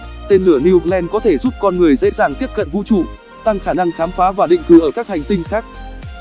tên lửa new glenn có thể giúp con người dễ dàng tiếp cận vũ trụ tăng khả năng khám phá và định cư ở các hành tinh khác